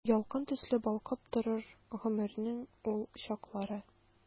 Ялкын төсле балкып торыр гомернең ул чаклары.